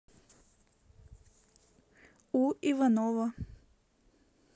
у иванова